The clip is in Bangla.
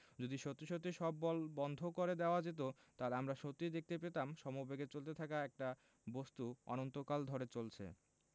যদি সত্যি সত্যি সব বল বন্ধ করে দেওয়া যেত তাহলে আমরা সত্যিই দেখতে পেতাম সমবেগে চলতে থাকা একটা বস্তু অনন্তকাল ধরে চলছে